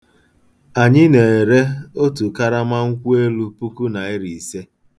Anyị na-ere otu karama nkwuelu puku naịra ise.